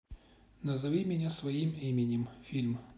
назови меня своим именем фильм